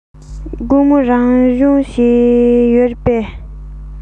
དགོང མོ རང སྦྱོང ཡོད རེད པས